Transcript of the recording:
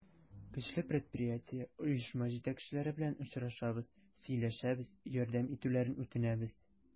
Көчле предприятие, оешма җитәкчеләре белән очрашабыз, сөйләшәбез, ярдәм итүләрен үтенәбез.